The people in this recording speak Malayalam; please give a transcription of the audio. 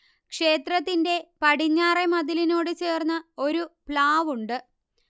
ക്ഷേത്രത്തിന്റെ പടിഞ്ഞാറെ മതിലിനോട് ചേർന്നു ഒരു പ്ലാവ് ഉണ്ട്